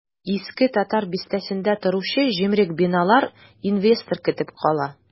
Иске татар бистәсендә торучы җимерек биналар инвестор көтеп кала.